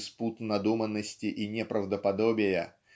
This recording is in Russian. из пут надуманности и неправдоподобия